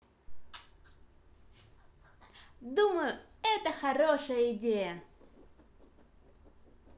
думаю это хорошая идея